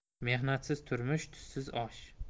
mehnatsiz turmush tuzsiz osh